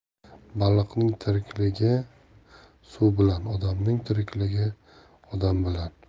baliqning tirikligi suv bilan odamning tirikligi odam bilan